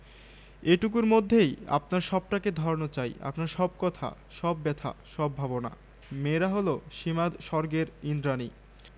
উঠে দেখি গলির আলোটা বৃষ্টির মধ্যে মাতালের ঘোলা চোখের মত দেখতে আর গির্জ্জের ঘড়ির শব্দ এল যেন বৃষ্টির শব্দের চাদর মুড়ি দিয়ে